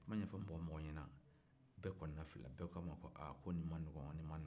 a ye kuma ɲɛfɔ mɔgɔ-mɔgɔ ɲɛna bɛɛ kɔnɔnafilila bɛɛ ko a ma aa nin man nɔgɔn nin man nɔgɔn